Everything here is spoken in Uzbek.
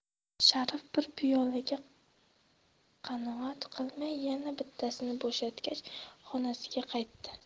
sharif bir piyolaga qanoat qilmay yana bittasini bo'shatgach xonasiga qaytdi